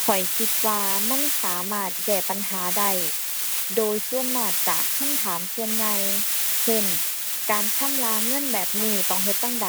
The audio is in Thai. ข้อยคิดว่ามันสามารถแก้ปัญหาได้ โดยส่วนมากจากคำถามส่วนใหญ่ เช่น การชำระเงินแบบนี้ต้องเฮ็ดจั่งใด